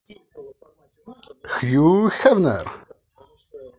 хью хефнер